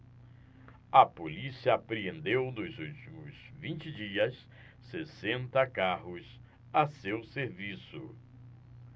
a polícia apreendeu nos últimos vinte dias sessenta carros a seu serviço